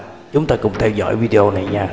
chúng ta cùng theo dõi video này nha